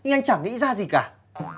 nhưng anh chẳng nghĩ ra gì cả